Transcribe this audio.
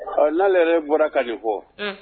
Ɔ la yɛrɛre bɔra ka fɔ